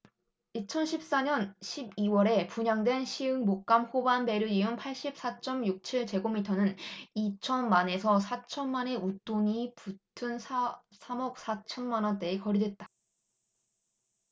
이천 십 사 년 십 이 월에 분양된 시흥목감호반베르디움 팔십 사 쩜 육 칠 제곱미터는 이천 만 에서 사천 만원의 웃돈이 붙은 삼 억 사천 만원대에 거래됐다